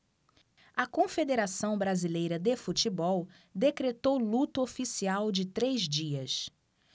a confederação brasileira de futebol decretou luto oficial de três dias